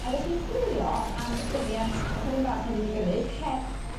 a 'dych chi'n chwilio am dyfiant fatha'r un bach ma' dwi 'di gymyd heb